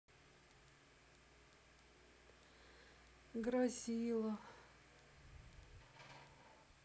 грозило